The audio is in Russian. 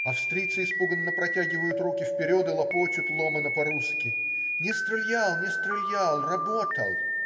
Австрийцы испуганно протягивают руки вперед и лопочут ломанно по-русски: "не стрелял, не стрелял, работал".